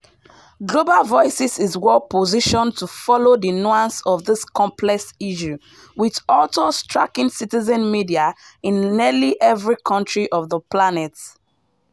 Global Voices is well positioned to follow the nuances of this complex issue with authors tracking citizen media in nearly every country of the planet.